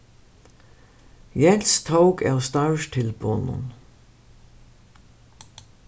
jens tók av starvstilboðnum